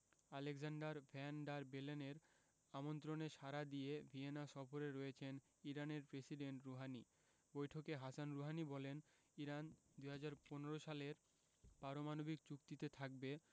Alexander van der বেলেনের আমন্ত্রণে সাড়া দিয়ে ভিয়েনা সফরে রয়েছেন ইরানের প্রেসিডেন্ট রুহানি বৈঠকে হাসান রুহানি বলেন ইরান ২০১৫ সালের পারমাণবিক চুক্তিতে থাকবে